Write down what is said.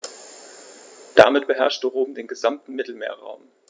Damit beherrschte Rom den gesamten Mittelmeerraum.